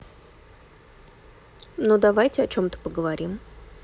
ну давайте о чем то поговорим